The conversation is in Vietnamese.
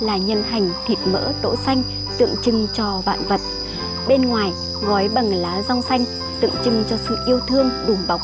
là nhân hành thịt mỡ đỗ xanh tượng trưng cho vạn vật bên ngoài gói bằng lá rong xanh tượng trưng cho sự yêu thương đùm bọc